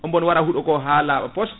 obo wara huuɗoko ha laaɓa pos